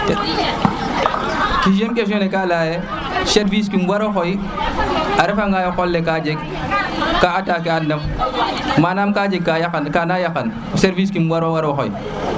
6eme question ne ka leya service kum wara xooy a refa nga ye o qol le ka jeg ka attaque kang na manaam ka jeg kana yakan service kum waro waro xoy